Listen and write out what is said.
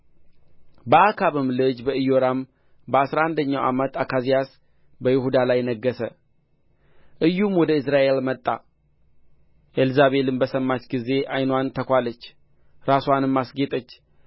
በአክዓብም ልጅ በኢዮራም በአሥራ አንደኛው ዓመት አካዝያስ በይሁዳ ላይ ነገሠ ኢዩም ወደ ኢይዝራኤል መጣ ኤልዛቤልም በሰማች ጊዜ ዓይንዋን ተኳለች ራስዋንም አስጌጠች